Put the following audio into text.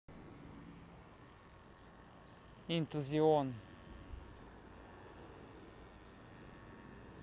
интел зион